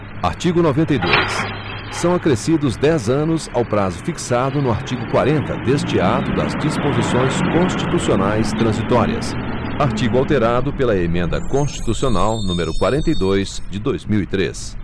artigo noventa e dois são acrescidos dez anos ao prazo fixado no artigo quarenta deste ato das disposições constitucionais transitórias artigo alterado pela emenda constitucional número quarenta e dois de dois mil e três